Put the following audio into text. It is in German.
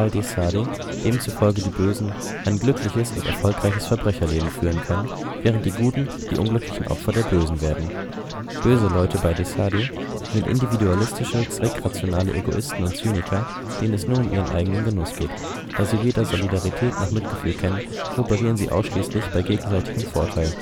de Sade, dem zufolge die Bösen ein glückliches und erfolgreiches Verbrecherleben führen können, während die Guten die unglücklichen Opfer der Bösen werden. Böse Leute bei de Sade sind individualistische, zweckrationale Egoisten und Zyniker, denen es nur um ihren eigenen Genuss geht. Da sie weder Solidarität noch Mitgefühl kennen, kooperieren sie ausschließlich bei gegenseitigem Vorteil